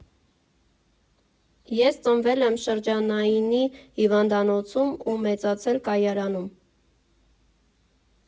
Ես ծնվել եմ Շրջանայինի հիվանդանոցում ու մեծացել Կայարանում։